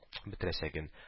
Бетерәчәген —